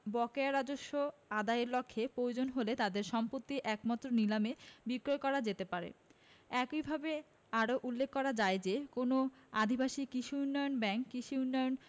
বকেয়া রাজস্ব আদায়ের লক্ষে প্রয়োজন হলে তাদের সম্পত্তি একমাত্র নিলামে বিক্রয় করা যেতে পারে একইভাবে আরো উল্লেখ করা যায় যে কোন আদিবাসী কৃষি উন্নয়ন ব্যাংক কৃষি উন্নয়ন